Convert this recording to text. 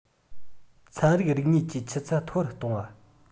ཚན རིག རིག གནས ཀྱི ཆུ ཚད མཐོ རུ གཏོང བ